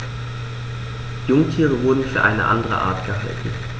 Jungtiere wurden für eine andere Art gehalten.